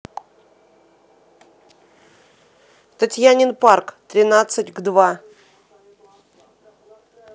татьянин парк тринадцать к два